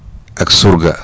ak surga